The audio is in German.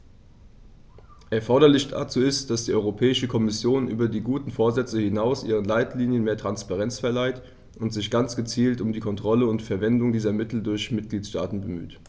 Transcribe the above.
Erforderlich dazu ist, dass die Europäische Kommission über die guten Vorsätze hinaus ihren Leitlinien mehr Transparenz verleiht und sich ganz gezielt um die Kontrolle der Verwendung dieser Mittel durch die Mitgliedstaaten bemüht.